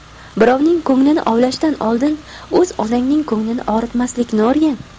birovning ko'nglini ovlashdan oldin o'z onangning ko'nglini og'ritmaslikni o'rgan